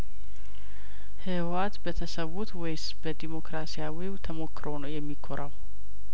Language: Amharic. ህወሀት በተሰዉት ወይስ በዲሞክራሲያዊው ተሞክሮው ነው የሚኮራው